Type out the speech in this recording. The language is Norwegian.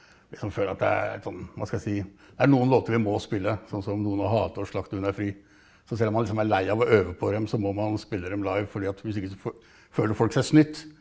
jeg kan føle at det er sånn, hva skal jeg si, det er noen låter vi må spille sånn som Noen å hate og Slakt og Hun er fri, så selv om man liksom er lei av øve på dem så må man spille dem live fordi at hvis ikke så føler folk seg snytt.